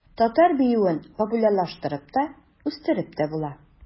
Татар биюен популярлаштырып та, үстереп тә була.